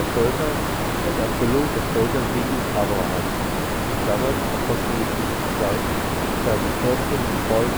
Völker und Erfüllung des Völkersegens Abrahams (Apg 2,14ff; 3,12ff